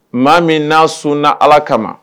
Maa min n'a sun na ala kama